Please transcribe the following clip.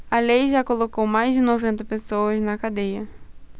a lei já colocou mais de noventa pessoas na cadeia